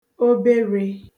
oberē